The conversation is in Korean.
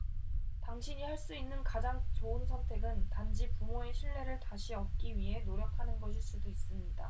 당신이 할 수 있는 가장 좋은 선택은 단지 부모의 신뢰를 다시 얻기 위해 노력하는 것일 수 있습니다